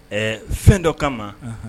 Ɛɛ fɛn dɔ kama ma